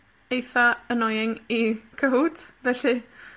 eitha annoying i Cahoot, felly,